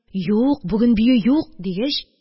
– юк, бүген бию юк, – дигәч: –